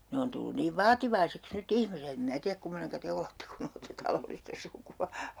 ne on tullut niin vaativaiseksi nyt ihmiset en minä tiedä kummoinen te olette kun olette talollista sukua